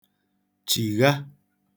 -chìgha